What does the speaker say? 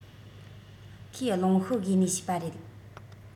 ཁོའི རླུང ཤོ རྒས ནས བྱས པ རེད